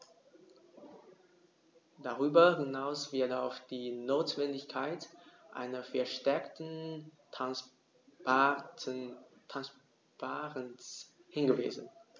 Darüber hinaus wird auf die Notwendigkeit einer verstärkten Transparenz hingewiesen.